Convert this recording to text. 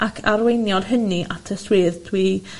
ac arweiniodd hynny at y swydd dwi